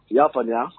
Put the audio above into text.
I y'a faamuya